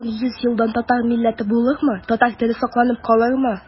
Тагын йөз елдан татар милләте булырмы, татар теле сакланып калырмы?